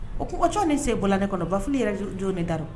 O ko c ni sen bolo ne kɔnɔ bafi yɛrɛ jo min da don